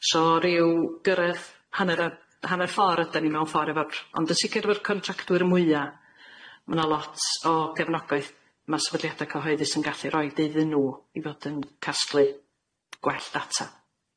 So ryw gyrredd hanner yy hanner ffor' ydan ni mewn ffor' efo'r ond yn sicir efo'r contractwyr mwya ma' na lot o gefnogaeth ma' sefydliade cyhoeddus yn gallu roid iddyn nw i fod yn casglu gwell data.